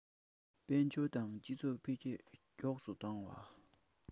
དཔལ འབྱོར དང སྤྱི ཚོགས འཕེལ རྒྱས མགྱོགས སུ བཏང ནས